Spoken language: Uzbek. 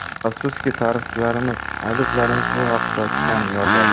afsuski tarixchilarimiz adiblarimiz bu haqda kam yozadi